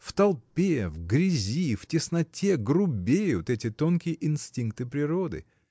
В толпе, в грязи, в тесноте грубеют эти тонкие инстинкты природы.